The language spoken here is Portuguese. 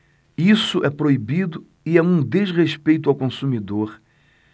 isso é proibido e é um desrespeito ao consumidor